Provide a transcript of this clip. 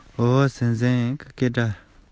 སྒྲ ཡིན ཉམས ཀྱིས གཅེན གཅུང དང